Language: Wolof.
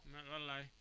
wallaay